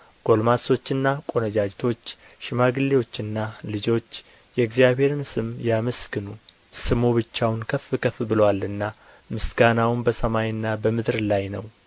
ጕልማሶችና ቈነጃጅቶች ሽማግሌዎችና ልጆች የእግዚአብሔርን ስም ያመስግኑ ስሙ ብቻውን ከፍ ከፍ ብሎአልና ምስጋናውም በሰማይና በምድር ላይ ነው